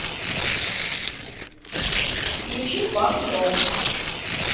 включи панк рок